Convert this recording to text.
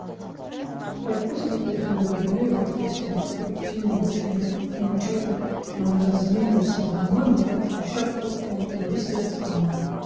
Այդպես նոր տեխնոլոգիաները օգնեցին հեղափոխության ոչ միայն անաչառ ու մանրազնին լուսաբանմանը, այլև թավշյա ֆոլկլորի ստեղծմանը։